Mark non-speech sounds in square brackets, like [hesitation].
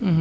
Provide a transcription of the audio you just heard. [hesitation] [hesitation]